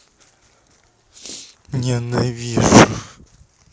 ненавижу